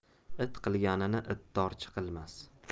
it qilganni itorchi qilmas